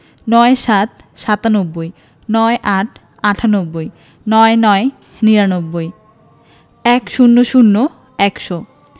৯৭ – সাতানব্বই ৯৮ - আটানব্বই ৯৯ - নিরানব্বই ১০০ – একশো